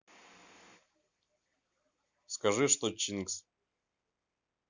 скажи что чингиз